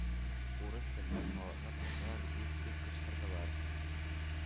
«урыс телле халык»ны кысалар, дип күп кычкырдылар.